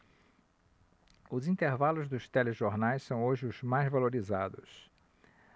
os intervalos dos telejornais são hoje os mais valorizados